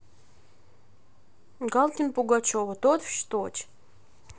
галкин пугачева точь в точь